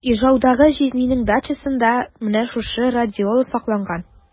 Ижаудагы җизнинең дачасында менә шушы радиола сакланган.